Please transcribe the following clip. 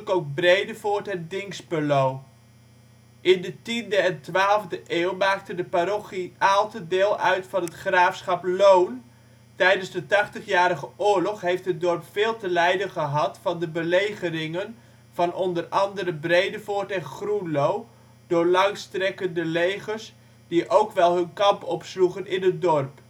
ook Bredevoort en Dinxperlo. In de 10e en 12e eeuw maakte de parochie Aalten deel uit van het Graafschap Lohn. Tijdens de Tachtigjarige Oorlog heeft het dorp veel te lijden gehad van de belegeringen van onder andere Bredevoort en Groenlo door langstrekkende legers, die ook wel hun kamp opsloegen in het dorp